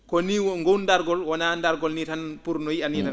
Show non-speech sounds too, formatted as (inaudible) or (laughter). koni woni ngool ndaargol wonaa ndaargol nii tan pour no yiya nii tan (smacks lips)